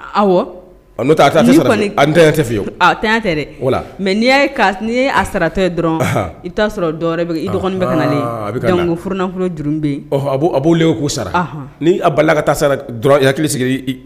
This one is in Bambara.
A awɔ o nɔtɛ a ta tɛ n'i kɔni a ntanya te fiyewu a taɲan tɛ dɛ voilà mais n'i y'a ye ka s n'i ye a saratɔ ye dɔrɔn ɔnhɔn i be t'a sɔrɔ dɔwɛrɛ b'i k'i i dɔgɔnin bɛ kanalen anhannn a be kana jango furunafolo jurunin be ye ɔhɔ a b'o a b'o legɛ k'o sara ɔnhɔn ni a balila ka taa sara dɔrɔn i hakili sigi i